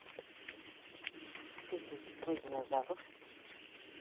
песенки про динозавров